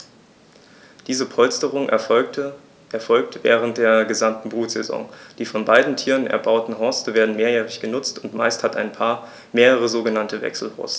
Diese Polsterung erfolgt während der gesamten Brutsaison. Die von beiden Tieren erbauten Horste werden mehrjährig benutzt, und meist hat ein Paar mehrere sogenannte Wechselhorste.